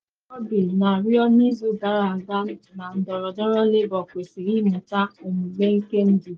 Jeremy Corbyn na arịọ n’izu gara aga na ndọrọndọrọ Labour kwesịrị ịmụta omume nke ndidi.